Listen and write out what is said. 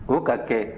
o ka kɛ